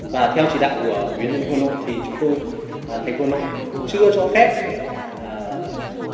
và theo chỉ đạo của ủy ban nội thì chúng tôi à thành phố hà nội chưa cho phép à